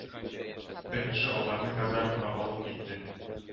Бер кеше аларны казармага алып китте.